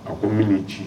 A ko min ci